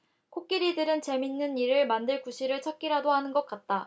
코끼리들은 재미있는 일을 만들 구실을 찾기라도 하는 것 같다